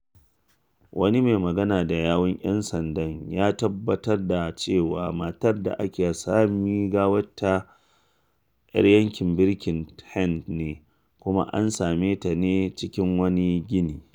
Wani mai magana da yawun ‘yan sanda ya tabbatar da cewa matar da aka sami gawar tata ‘yar yankin na Birkenhead ne kuma an same ta ne a cikin wani gini.